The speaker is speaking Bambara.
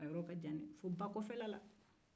a yɔrɔ ka jan dɛɛ fo bakɔfɛra la